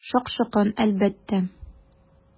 Шакшы кан, әлбәттә.